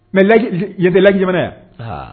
Mɛ yen tɛ lakiminɛ yan